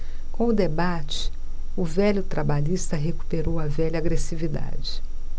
com o debate o velho trabalhista recuperou a velha agressividade